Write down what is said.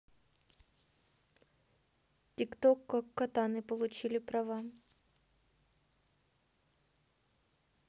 тик ток как катаны получили права